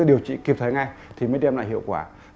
điều trị kịp thời ngay thì mới đem lại hiệu quả